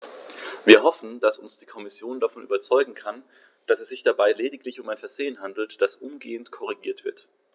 Wir hoffen, dass uns die Kommission davon überzeugen kann, dass es sich dabei lediglich um ein Versehen handelt, das umgehend korrigiert wird.